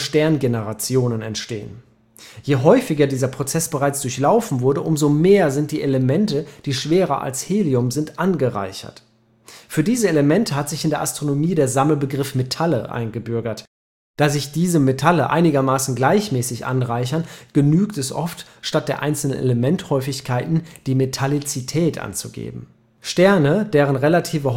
Sterngenerationen entstehen. Je häufiger dieser Prozess bereits durchlaufen wurde, umso mehr sind die Elemente, die schwerer als Helium sind, angereichert. Für diese Elemente hat sich in der Astronomie der Sammelbegriff Metalle eingebürgert. Da sich diese Metalle einigermaßen gleichmäßig anreichern, genügt es oft, statt der einzelnen Elementhäufigkeiten die Metallizität anzugeben. Sterne, deren relative